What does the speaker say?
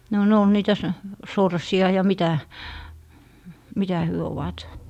no ne oli niitä - sorsia ja mitä mitä he ovat